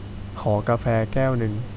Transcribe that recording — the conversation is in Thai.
ขอกาแฟแก้วหนึ่ง